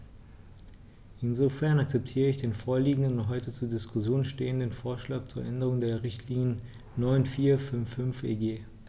Insofern akzeptiere ich den vorliegenden und heute zur Diskussion stehenden Vorschlag zur Änderung der Richtlinie 94/55/EG.